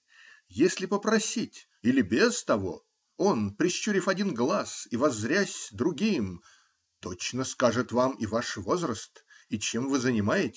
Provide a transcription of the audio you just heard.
Если попросить, или без того, он, прищурив один глаз и воззрясь другим, точно скажет вам и ваш возраст, и чем вы занимаетесь.